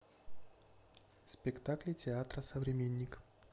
спектакли театра современник